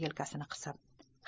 yelkasini qisib